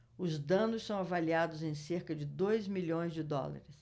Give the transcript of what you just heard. os danos são avaliados em cerca de dois milhões de dólares